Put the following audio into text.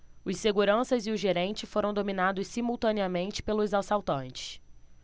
os seguranças e o gerente foram dominados simultaneamente pelos assaltantes